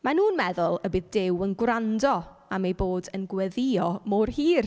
Maen nhw'n meddwl y bydd Duw yn gwrando am eu bod yn gweddïo mor hir.